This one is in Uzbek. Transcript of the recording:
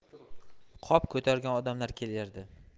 qop ko'targan odamlar kelardi